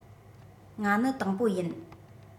ང ནི དང པོ ཡིན